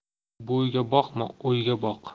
bo'yga boqma o'yga boq